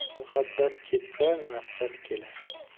muhabbat ketsa nafrat kelar